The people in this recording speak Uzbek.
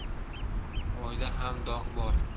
oyda ham dog' bor